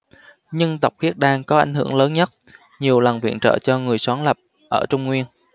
nhưng tộc khiết đan có ảnh hưởng lớn nhất nhiều lần viện trợ cho người soán lập ở trung nguyên